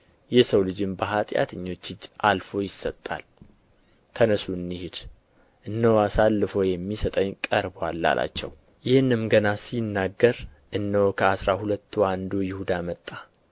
የሰው ልጅም በኃጢአተኞች እጅ አልፎ ይሰጣል ተነሡ እንሂድ እነሆ አሳልፎ የሚሰጠኝ ቀርቦአል አላቸው ይህንም ገና ሲናገር እነሆ ከአሥራ ሁለቱ አንዱ ይሁዳ መጣ